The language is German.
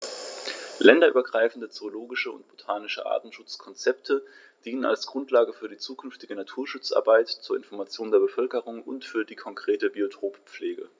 Länderübergreifende zoologische und botanische Artenschutzkonzepte dienen als Grundlage für die zukünftige Naturschutzarbeit, zur Information der Bevölkerung und für die konkrete Biotoppflege.